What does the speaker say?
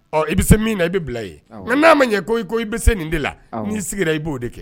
Ɔ i bɛ se min na i bɛ bila yen mɛ n'a ma ɲɛ ko i ko i bɛ se nin de la n'i'i sigira i b'o de kɛ